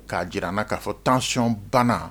K'a jir'an na k'a fɔ tension bana